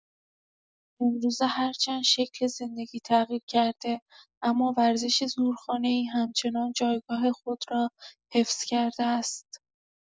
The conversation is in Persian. امروزه هرچند شکل زندگی تغییر کرده، اما ورزش زورخانه‌ای همچنان جایگاه خود را حفظ کرده است.